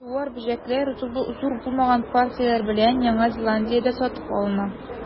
Чуар бөҗәкләр, зур булмаган партияләр белән, Яңа Зеландиядә сатып алына.